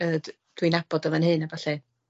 yy d- dwi'n nabod o fyn hyn a ballu.